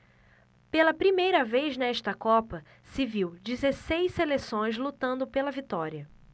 pela primeira vez nesta copa se viu dezesseis seleções lutando pela vitória